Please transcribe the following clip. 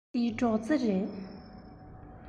འདི སྒྲོག རྩེ རེད